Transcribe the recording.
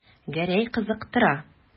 Гәрәй кызыктыра.